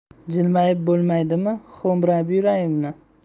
jilmayib bo'lmaydimi xo'mrayib yurayinmi